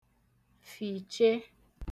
fìche